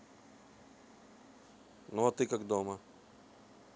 ну а ты как дома